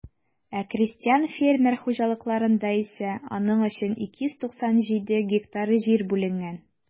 Ә крестьян-фермер хуҗалыкларында исә аның өчен 297 гектар җир бүленгән.